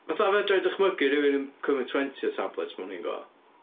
Fatha, fedra i dychmygu rhywun yn cymryd twenty o tablets mewn un go.